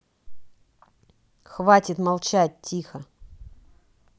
хватит молчать тихо